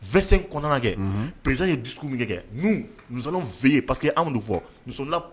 Kɔnɔna pzsa ye ye pa que anw fɔ